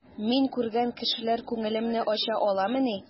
Мин күргән кешеләр күңелемне ача аламыни?